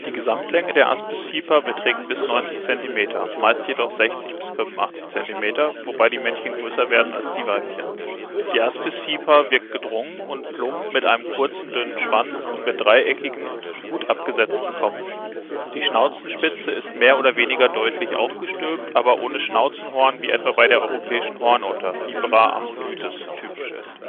Gesamtlänge der Aspisviper beträgt bis 90 Zentimeter, meist jedoch 60 bis 85 Zentimeter, wobei die Männchen größer werden als die Weibchen. Die Aspisviper wirkt gedrungen und plump mit einem kurzen, dünnen Schwanz und mit dreieckigem, gut abgesetztem Kopf. Die Schnauzenspitze ist mehr oder weniger deutlich aufgestülpt, aber ohne Schnauzenhorn wie dies etwa bei der Europäischen Hornotter (Vipera ammodytes) typisch ist